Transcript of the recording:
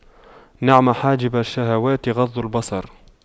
نعم حاجب الشهوات غض البصر